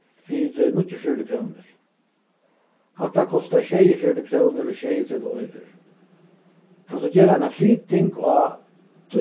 fyri níggjuogfjøruti krónur hatta kostar sjeyogfjøruti krónur og sjeyogtretivu oyrur kanst tú gera eina flyting á